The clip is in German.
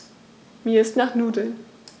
Mir ist nach Nudeln.